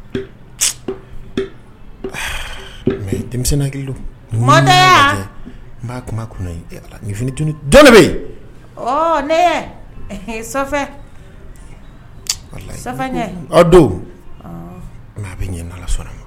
N denmisɛn nat bɛ yen ne don maa bɛ ɲɛ n' sɔnna ma